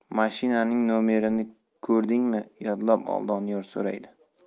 mashinaning no'merini ko'rdingmi yodlab ol doniyor so'raydi